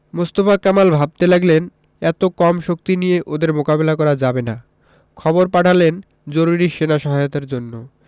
মোস্তফা কামাল ভাবতে লাগলেন এত কম শক্তি নিয়ে ওদের মোকাবিলা করা যাবে না খবর পাঠালেন জরুরি সেনা সহায়তার জন্য